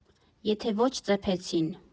Եթե ոչ ծեփեցին։